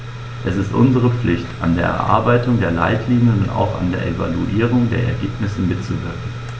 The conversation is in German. Es ist unsere Pflicht, an der Erarbeitung der Leitlinien und auch an der Evaluierung der Ergebnisse mitzuwirken.